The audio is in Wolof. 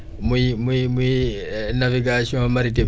muy muy muy navigation maritime